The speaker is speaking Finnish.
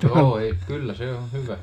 joo ei kyllä se on hyvä